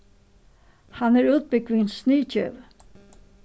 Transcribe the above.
hann er útbúgvin sniðgevi